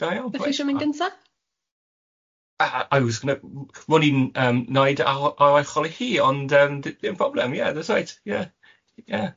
Da iawn. Da chisio mynd gynta? Yy I was going to m- m- m- o'n i'n yym wneud o ar ar eich holi chi ond dim problem, that's right, yeah.